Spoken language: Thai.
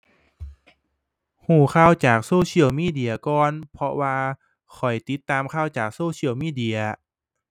รู้ข่าวจาก social media ก่อน เพราะว่าข้อยติดตามข่าวจาก social media